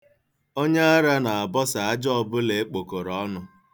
Onye ara a na-abọsa aja ọbụla e kpokọrọ ọnụ.